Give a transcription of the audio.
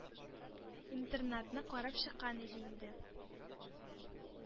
Интернатны карап чыккан иде инде.